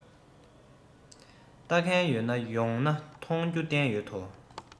ལྟ མཁན ཡོད ན མ ཡོང ན མཐོང རྒྱུ བསྟན ཡོད དོ